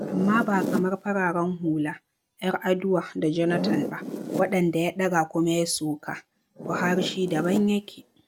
Amma ba kamar fararen hula - 'Yar'aduwa da Jonathan - ba, waɗanda ya ɗaga kuma ya soka, Buhari shi daban yake.